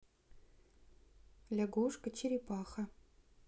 лягушка черепаха